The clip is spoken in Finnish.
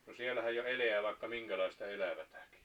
no siellähän jo elää vaikka minkälaista elävääkin